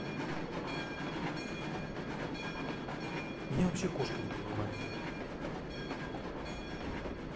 меня вообще кошка не принимает